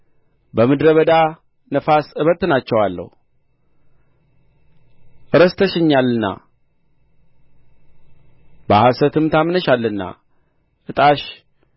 በምድረ በዳ ነፋስ እበትናቸዋለሁ ረስተሽኛልና በሐሰትም ታምነሻልና ዕጣሽ